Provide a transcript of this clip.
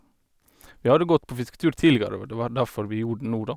Vi hadde gått på fisketur tidligere, og det var derfor vi gjorde det nå, da.